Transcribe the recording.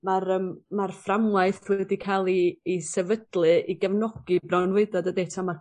ma'r yym ma'r fframwaith wedi ca'l i i sefydlu i gefnogi bronfwydo dydi